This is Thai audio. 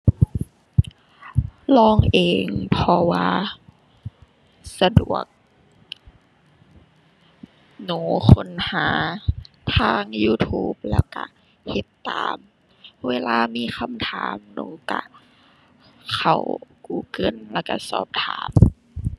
ลองเอง เพราะว่าสะดวก หนูค้นหาทาง YouTube แล้วก็เฮ็ดตาม เวลามีคำถามหนูก็เข้า Google แล้วก็สอบถาม